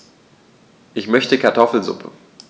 Ich möchte Kartoffelsuppe.